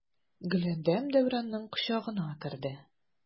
Гөләндәм Дәүранның кочагына керде.